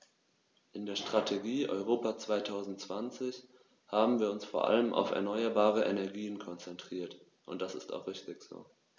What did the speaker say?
In der Strategie Europa 2020 haben wir uns vor allem auf erneuerbare Energien konzentriert, und das ist auch richtig so.